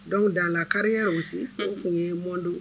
Dɔnku da la kari dɔw se o tun ye mɔn don